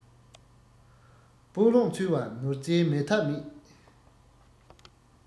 དཔུང རོགས འཚོལ བར ནོར རྫས མེད ཐབས མེད